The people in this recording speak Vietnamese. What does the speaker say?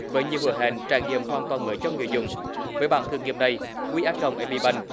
với nhiều hứa hẹn trải nghiệm hoàn toàn mới cho người dùng với bản thử nghiệm đây guy a còng ây bi banh